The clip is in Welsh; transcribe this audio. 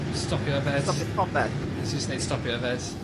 Stopio yfed. Stopio popeth? Nes i jys' neud stopio yfed.